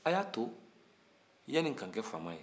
a y'a to yaani n ka kɛ faama ye